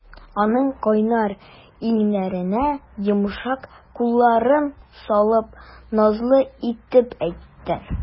Аның кайнар иңнәренә йомшак кулларын салып, назлы итеп әйтте.